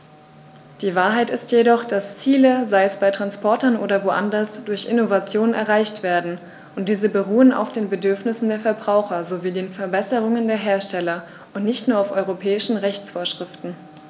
Die Wahrheit ist jedoch, dass Ziele, sei es bei Transportern oder woanders, durch Innovationen erreicht werden, und diese beruhen auf den Bedürfnissen der Verbraucher sowie den Verbesserungen der Hersteller und nicht nur auf europäischen Rechtsvorschriften.